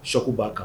Choque b'a kan